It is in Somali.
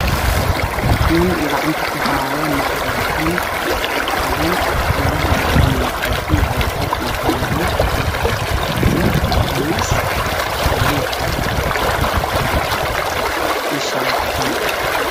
Waa nin gacanta kuhaayo makaroofan badan feerahana ogadhagan, wato ookiyaalo, koofiyad iyo qamiis buluug ah iyo shaal cadaan ah.